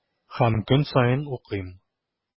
Һәм көн саен укыйм.